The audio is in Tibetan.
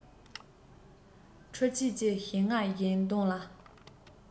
འཕྲུལ ཆས ཀྱིས ཞིང རྔ བཞིན གདོང ལ